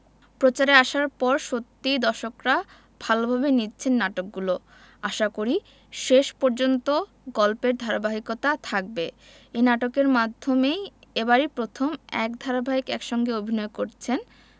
প্রচারে আসার পর সত্যিই দর্শকরা ভালোভাবে নিচ্ছেন নাটকগুলো আশাকরি শেষ পর্যন্ত গল্পের ধারাবাহিকতা থাকবে এ নাটকের মাধ্যমেই এবারই প্রথম এক ধারাবাহিকে একসঙ্গে অভিনয় করছেন